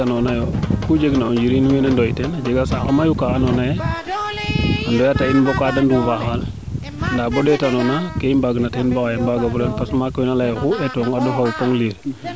ne leyta noona yo ku jeg na o njiriñwiin we ndoy teen a jega saax mayu kaa ando naye a leya ta in bo kaa de nduufa xa qaal ndaa bo ndeeta noona ke i mbaang na teen bo xaye mbaaga fuli ran parce que maak we na leya ye oxu etooga no xooy kam liir